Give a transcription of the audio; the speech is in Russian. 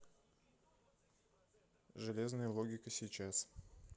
железная логика сейчас